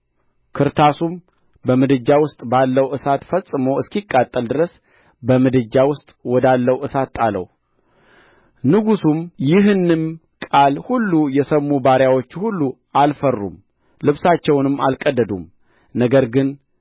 ክርታሱም በምድጃ ውስጥ ባለው እሳት ፈጽሞ እስኪቃጠል ድረስ በምድጃ ውስጥ ወዳለው እሳት ጣለው ንጉሡም ይህንም ቃል ሁሉ የሰሙ ባሪያዎቹ ሁሉ አልፈሩም ልብሳቸውንም አልቀደዱም ነገር ግን